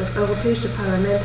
Das Europäische Parlament